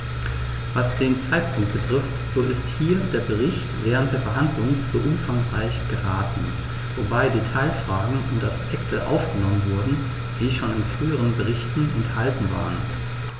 Was den Zeitpunkt betrifft, so ist hier der Bericht während der Behandlung zu umfangreich geraten, wobei Detailfragen und Aspekte aufgenommen wurden, die schon in früheren Berichten enthalten waren.